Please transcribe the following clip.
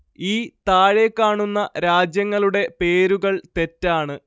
ഈ താഴെ കാണുന്ന രാജ്യങ്ങളുടെ പേരുകൾ തെറ്റാണ്